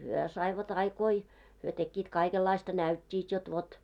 he saivat aikoihin he tekivät kaikenlaista näyttivät jotta vot